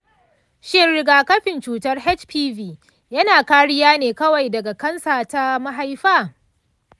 shin rigakafin cutar hpv yana kariya ne kawai daga kansa ta mahaifa?